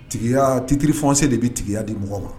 Tigiya titiririfɛnsɛ de bɛ tigiya di mɔgɔ ma